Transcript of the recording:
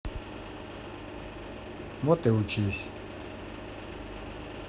вот и учись